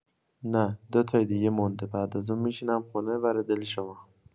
نه، دوتای دیگه مونده، بعد از اون می‌شینم خونه، ور دل شما!